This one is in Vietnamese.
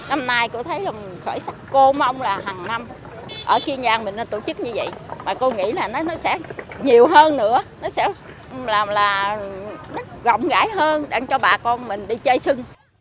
năm nay cô thấy rằng khởi sắc cô mong là hằng năm ở kiên giang mình tổ chức như vậy mà cô nghĩ là nó sẽ nhiều hơn nữa nó sẽ là rộng rãi hơn cho bà con mình đi chơi xuân